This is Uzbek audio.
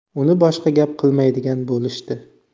uni boshqa gap qilmaydigan bo'lishdi